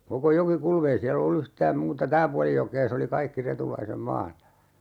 koko Jokikulma ei siellä ollut yhtään muuta tämä puoli jokea se oli kaikki Retulaisen maata